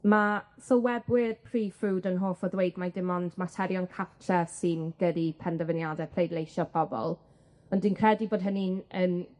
Ma' sylwebwyr prif ffrwd yn hoff o ddweud mai dim ond materion cartre sy'n gyrru penderfyniade pleidleisio pobol, ond dwi'n credu bod hynny'n yn